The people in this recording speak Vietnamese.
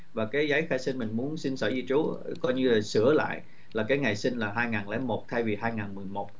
và cái giấy khai sinh mình muốn xin sở di trú coi như là sửa lại là cái ngày sinh là hai ngàn lẻ một thay vì hai ngàn mười một